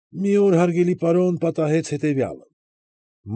Մի օր, հարգելի պարոն, պատահեց հետևյալը։